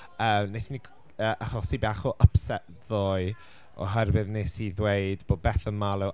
Yy wnaethon ni yy achosi bach o upset ddoe, oherwydd wnes i ddweud bod Bethan Marlow...